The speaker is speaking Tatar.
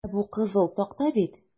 Менә бу кызыл такта бит?